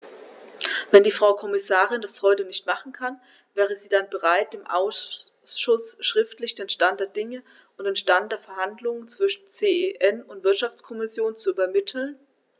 Wenn die Frau Kommissarin das heute nicht machen kann, wäre sie dann bereit, dem Ausschuss schriftlich den Stand der Dinge und den Stand der Verhandlungen zwischen CEN und Wirtschaftskommission zu übermitteln?